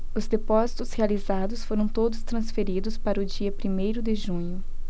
os depósitos realizados foram todos transferidos para o dia primeiro de junho